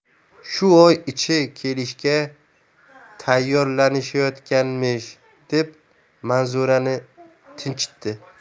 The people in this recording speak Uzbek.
shu oy ichi kelishga tayyorlanishayotganmish deb manzurani tinchitdi